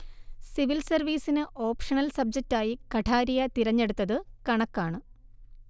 civil സർവീസിന് optional സബ്ജറ്റായി കഠാരിയ തിരഞ്ഞെടുത്തത് കണക്കാണ്